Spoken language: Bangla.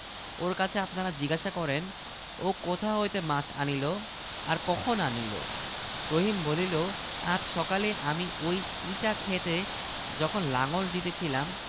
তখন তাহারা যুক্তি করিয়া রহিমকে দড়ি দিয়া বাধিতে গেল সে যখন বাধা দিতেছিল সকলে তখন তাহাকে কিল থাপ্পর মারিতেছিল